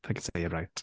If I can say it right.